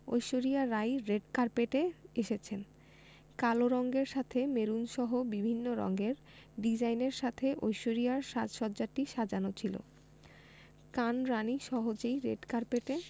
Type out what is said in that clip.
Aishwarya Rai red কার্পেটে এসেছেন কালো রঙের সাথে মেরুনসহ বিভিন্ন রঙের ডিজাইনের সাথে ঐশ্বরিয়ার সাজ সজ্জাটি সাজানো ছিল কান রাণী সহজেই রেড কার্পেটে